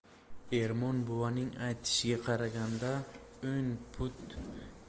ermon buvaning aytishiga qaraganda o'n